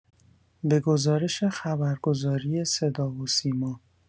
به گزارش خبرگزاری صدا و سیما